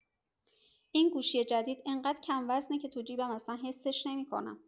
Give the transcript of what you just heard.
این گوشی جدید انقدر کم‌وزنه که توی جیبم اصلا حسش نمی‌کنم.